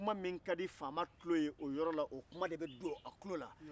kuma min ka di faama tulo ye o yɔrɔ la o kuma de bɛ don a tulo la